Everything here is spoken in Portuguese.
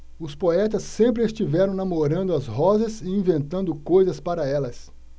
os poetas sempre estiveram namorando as rosas e inventando coisas para elas